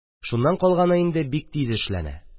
Шуннан калганы инде бик тиз эшләнә